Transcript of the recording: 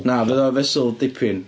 Na, fydd o feswl dipyn.